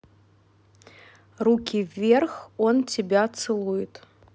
руки вверх он тебя целует